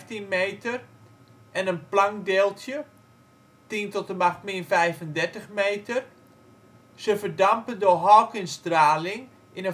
10-15 meter) en een Planckdeeltje (10-35 meter). Ze verdampen door Hawkingstraling in